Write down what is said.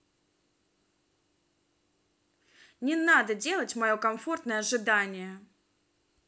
не надо делать мое комфортное ожидание